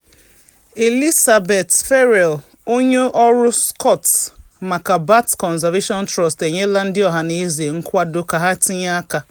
Elisabeth Ferrell, onye ọrụ Scot maka Bat Conservation Trust, enyela ndị ọhaneze nkwado ka ha tinye aka.